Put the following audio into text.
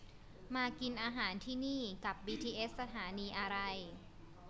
มากินอาหารที่นี่กลับบีทีเอสสถานีอะไร